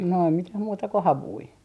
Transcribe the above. no ei mitään muuta kuin havuja